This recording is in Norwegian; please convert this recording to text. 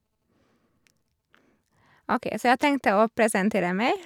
OK, så jeg tenkte å presentere meg.